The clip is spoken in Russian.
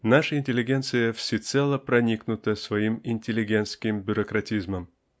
-- наша интеллигенция всецело проникнута своим интеллигентским бюрократизмом.